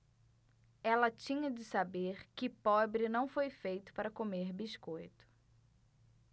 ela tinha de saber que pobre não foi feito para comer biscoito